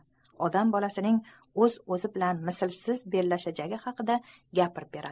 odam bolasining o'z o'zi bilan mislsiz bellashajagi haqida gapirib beradi